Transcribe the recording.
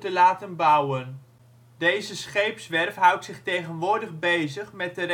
laten bouwen. Deze scheepswerf houdt zich tegenwoordig bezig met de restauratie